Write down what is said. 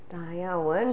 Da iawn.